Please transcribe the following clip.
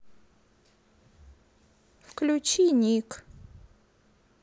включи ник